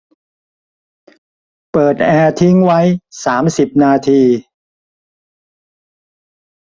เปิดแอร์ทิ้งไว้สามสิบนาที